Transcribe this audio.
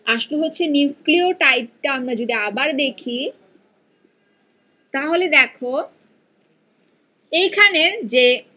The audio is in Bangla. আসল হচ্ছে নিউক্লিওটাইড টা আমরা যদি আবার দেখি তাহলে দেখো এইখানের যে